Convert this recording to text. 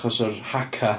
Achos o'r Haka.